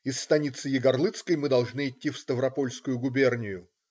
" Из станицы Егорлыцкой мы должны идти в Ставропольскую губернию.